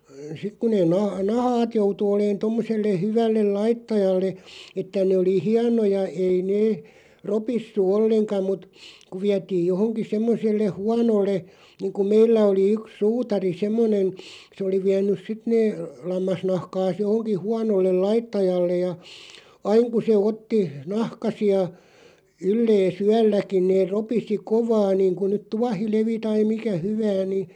sitten kun ne - nahkat joutui olemaan tuommoiselle hyvälle laittajalle että ne oli hienoja ei ne ropissut ollenkaan mutta kun vietiin johonkin semmoiselle huonolle niin kuin meillä oli yksi suutari semmoinen se oli vienyt sitten ne lammasnahkansa johonkin huonolle laittajalle ja aina kun se otti nahkaisia yllensä yölläkin ne ropisi kovaa niin kuin nyt tuohilevi tai mikä hyvänsä niin